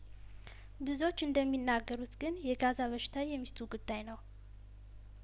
ብዙዎች እንደሚናገሩት ግን የጋዛ በሽታ የሚስቱ ጉዳይ ነው